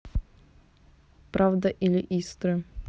правда или истры